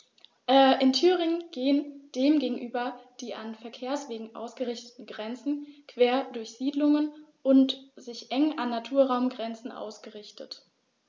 In Thüringen gehen dem gegenüber die an Verkehrswegen ausgerichteten Grenzen quer durch Siedlungen und sind eng an Naturraumgrenzen ausgerichtet.